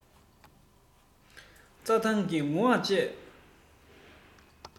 རྩ ཐང གི ངུ ངག བཅས